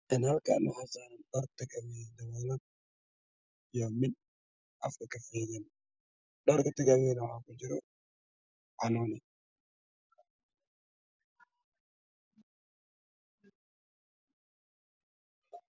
Halkan waxaa yaalo weerar fara badan oo ay ku jiraan canooni midabkiisa yahay guduud